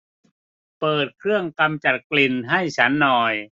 เปิดเครื่องกำจัดกลิ่นให้ฉันหน่อย